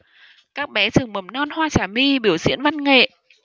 các bé trường mầm non hoa trà my biểu diễn văn nghệ